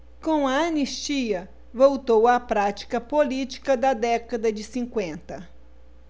com a anistia voltou a prática política da década de cinquenta